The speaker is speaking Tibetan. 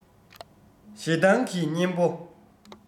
ཞེ སྡང གི གཉེན པོ